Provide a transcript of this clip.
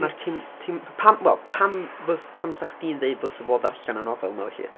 Ma'r tim- tim- p-pam, wel, pam fys- pam 'sa chdi'n ddeud ddylsa bobl ddarllen y nofel yma felly?